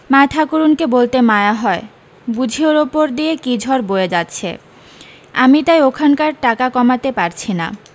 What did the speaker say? মা ঠাকরুনকে বলতে মায়া হয় বুঝি ওর ওপর দিয়ে কী ঝড় বয়ে যাচ্ছে আমি তাই ওখানকার টাকা কমাতে পারছি না